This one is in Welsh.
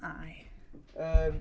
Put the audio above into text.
Aye... Yym...